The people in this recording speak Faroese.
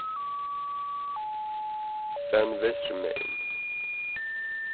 renn vinstrumegin